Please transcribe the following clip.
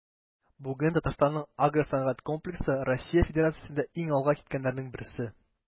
Бүген Татарстанның агросәнәгать комплексы Россия Федерациясендә иң алга киткәннәрнең берсе.